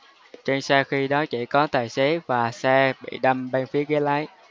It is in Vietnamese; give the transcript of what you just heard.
trên xe khi đó chỉ có tài xế và xe bị đâm bên phía ghế lái